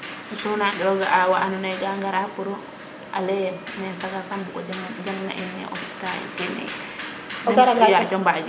so nangi ro ga a wa a ndo naye ga ngara pour a leye mer Sagar kam bug o jang na in ne o fi tayin kene yin te yaco mbagin